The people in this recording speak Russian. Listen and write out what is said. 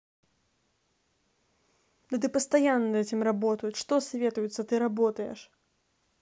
да ты постоянно над этим работают что советуется ты работаешь